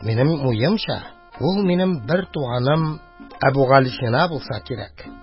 Минем уемча, ул минем бертуганым Әбүгалисина булса кирәк.